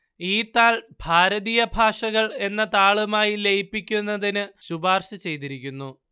ഈ താൾ ഭാരതീയ ഭാഷകൾ എന്ന താളുമായി ലയിപ്പിക്കുന്നതിന് ശുപാർശ ചെയ്തിരിക്കുന്നു